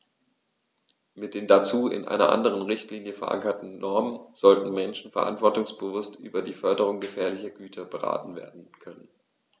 Mit den dazu in einer anderen Richtlinie, verankerten Normen sollten Menschen verantwortungsbewusst über die Beförderung gefährlicher Güter beraten werden können.